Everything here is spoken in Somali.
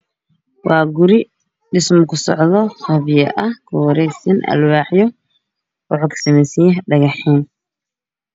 Meeshaan waa guri dhismo ka socda oo aada wax ah guri ayaa ka dambeeya gaari cadan ayaa ii muuqdo